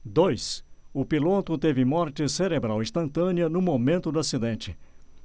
dois o piloto teve morte cerebral instantânea no momento do acidente